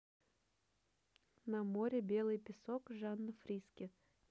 на море белый песок жанна фриске